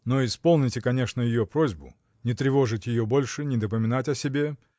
— Но исполните, конечно, ее просьбу: не тревожить ее больше, не напоминать о себе.